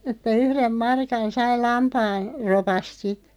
että yhden markan sai - lampaanropasta sitten